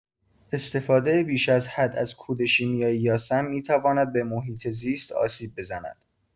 استفاده بیش از حد از کود شیمیایی یا سم می‌تواند به محیط‌زیست آسیب بزند.